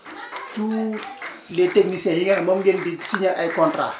tout les techniciens yi nga xam moom ngeen di signer ay contrats